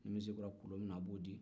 ni min se kɛra kolon min na o b'o di